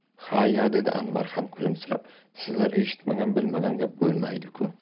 ha ya dedi anvar ham kulimsirab sizlar eshitmagan bilmagan gap bo'lmaydi ku